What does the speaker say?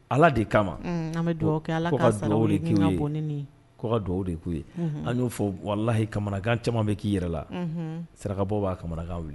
Ala de kama an bɛ dugawu kɛ. Ko ka dugawu de ku ye. An yo fɔ walahi kamanagan caman bɛ ki yɛrɛ la . Unhun sarakabɔ ba kamanagan wuli